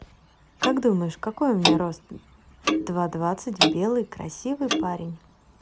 как думаешь какой у меня рост два двадцать белый красивый парень